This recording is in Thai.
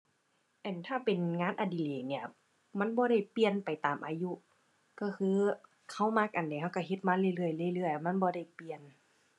อั่น ถ้าเป็นงานอดิเรกเนี่ย มันบ่ได้เปลี่ยนไปตามอายุ ก็คือก็มักอันใดก็ก็เฮ็ดมาเรื่อยเรื่อยเรื่อยเรื่อย มันบ่ได้เปลี่ยน